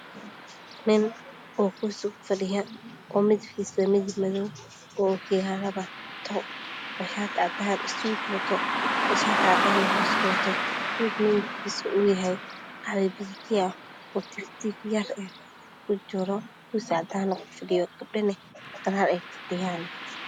Nin kursi ku fadhiyo muxuu wataa suud shaata cadaan hoos ugu jiro surwaal guduud ah gadaalo ha ka taagan gabdho